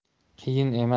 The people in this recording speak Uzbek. qiyin emas